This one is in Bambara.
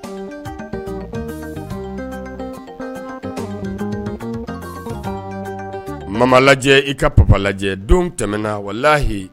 Mama lajɛ i ka pappi lajɛ don tɛmɛna wala lahi